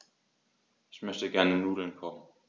Ich möchte gerne Nudeln kochen.